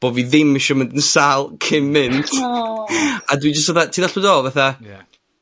bo' fi ddim isio mynd yn sâl cyn mynd. Aww. A dwi jyst fatha, ti dall be dwi feddwl? Fatha... Ie.